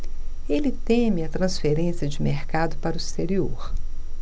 ele teme a transferência de mercado para o exterior